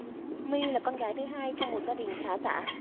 mi là con gái thứ hai trong một gia đình khá giả